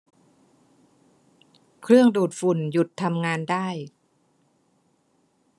เครื่องดูดฝุ่นหยุดทำงานได้